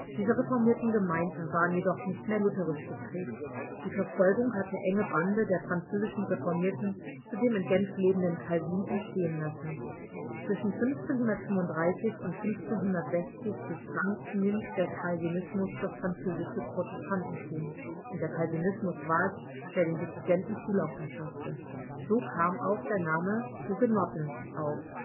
Diese reformierten Gemeinden waren jedoch nicht mehr lutherisch geprägt: Die Verfolgung hatte enge Bande der französischen Reformierten zu dem in Genf lebenden Calvin entstehen lassen. Zwischen 1535 und 1560 durchdrang zunehmend der Calvinismus das französische Protestantentum, und der Calvinismus war es, der den Dissidenten Zulauf verschaffte. So kam auch der Name „ Hugenotten “auf